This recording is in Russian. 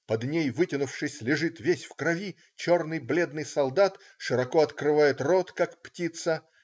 Под ней, вытянувшись, лежит весь в крови черный, бледный солдат, широко открывает рот, как птица.